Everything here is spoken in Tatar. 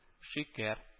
Шикәр